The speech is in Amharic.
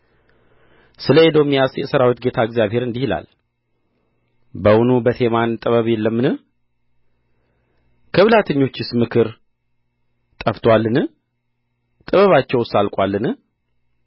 ስለ ኤዶምያስ የሠራዊት ጌታ እግዚአብሔር እንዲህ ይላል በውኑ በቴማን ጥበብ የለምን ከብልሃተኞችስ ምክር ጠፍቶአልን ጥበባቸውስ አልቆአልን